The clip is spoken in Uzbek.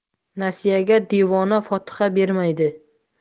nasiyaga devona fotiha bermaydi